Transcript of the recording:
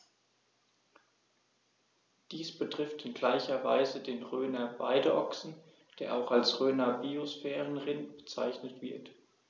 Dies betrifft in gleicher Weise den Rhöner Weideochsen, der auch als Rhöner Biosphärenrind bezeichnet wird.